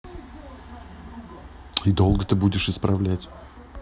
и долго ты будешь исправлять